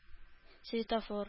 Светофор